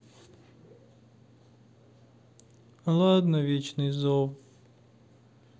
ладно вечный зов